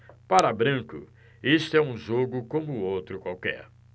para branco este é um jogo como outro qualquer